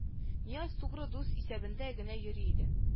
Нияз тугры дус исәбендә генә йөри иде